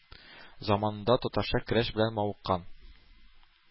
Заманында татарча көрәш белән мавыккан